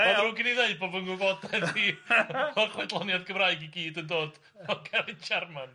Mae'n ddrwg gen i ddeud fod fy ngwybodaeth i o chwedloniaeth Gymraeg i gyd yn dod o Geraint Jarman.